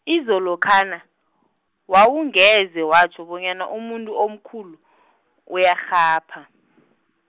izolokha na, wawungeze watjho bonyana umuntu omkhulu , uyarhapha.